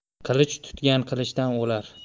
qilich tutgan qilichdan o'lar